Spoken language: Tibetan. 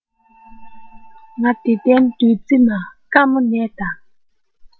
ང བདེ ལྡན བདུད རྩི མ དཀར མོ ནས དང